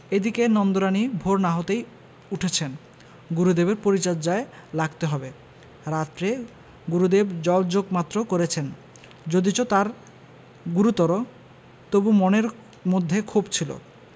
এদিকে নন্দরানী ভোর না হতেই উঠেছেন গুরুদেবের পরিচর্যায় লাগতে হবে রাত্রে গুরুদেব জলযোগ মাত্র করেছেন যদিচ তা গুরুতর তবু মনের মধ্যে ক্ষোভ ছিল